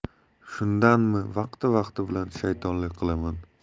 shundanmi vaqti vaqti bilan shaytonlik qilaman